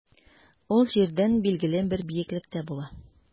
Ул җирдән билгеле бер биеклектә була.